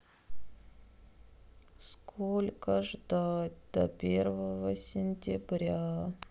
сколько ждать до первого сентября